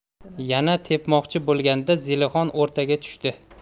yana tepmoqchi bo'lganida zelixon o'rtaga tushdi